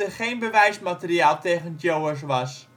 geen bewijsmateriaal tegen Jowers was